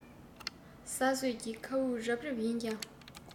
ས སྲོད ཀྱི མཁའ དབུགས རབ རིབ ཡིན ཀྱང